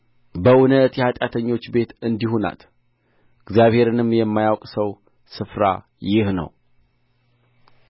በእውነት የኃጢአተኞች ቤት እንዲሁ ናት እግዚአብሔርንም የማያውቅ ሰው ስፍራ ይህ ነው